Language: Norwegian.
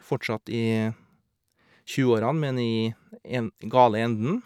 Fortsatt i tjueårene, men i en den gale enden.